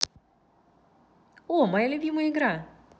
о моя любимая игра